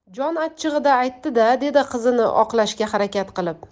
jon achchig'ida aytdi da dedi qizini oqlashga harakat qilib